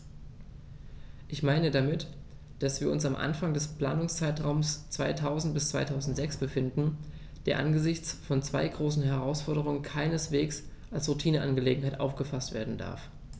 Ich meine damit, dass wir uns am Anfang des Planungszeitraums 2000-2006 befinden, der angesichts von zwei großen Herausforderungen keineswegs als Routineangelegenheit aufgefaßt werden darf.